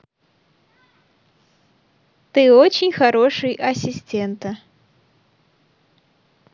ты очень хороший ассистента